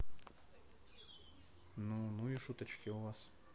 ну ну и шуточки у вас